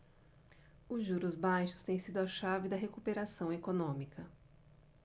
os juros baixos têm sido a chave da recuperação econômica